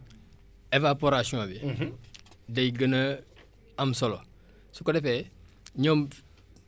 day gën a am solo su ko defee ñoom point d' eau yooyu ñoom ñu doon utiliser